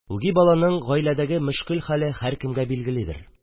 Үги баланың гаиләдәге мөшкел хәле һәркемгә билгеледер